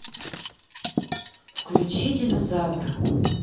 включи динозавра